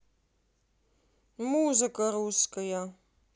музыка русская